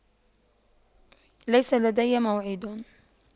ليس لدي موعد